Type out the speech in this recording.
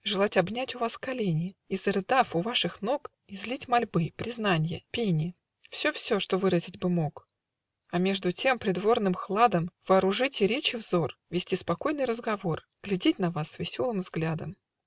Желать обнять у вас колени И, зарыдав, у ваших ног Излить мольбы, признанья, пени, Все, все, что выразить бы мог, А между тем притворным хладом Вооружать и речь и взор, Вести спокойный разговор, Глядеть на вас веселым взглядом!.